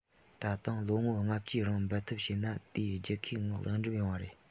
ད དུང ལོ ངོ ལྔ བཅུའི རིང འབད འཐབ བྱས ན དེ རྒྱལ ཁའི ངང ལེགས འགྲུབ ཡོང ངེས རེད